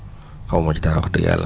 xaw ma ci dara wax dëgg yàlla